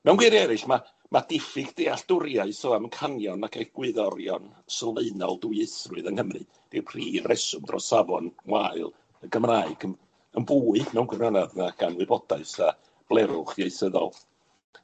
Mewn geirie eryll, ma' ma' diffyg dealltwriaeth o amcanion ac egwyddorion sylfaenol dwyieithrwydd yng Nghymru, yw prif reswm dros safon gwael. Y Gymraeg yn yn fwy mewn gwirionedd nag anwybodaeth a blerwch ieithyddol.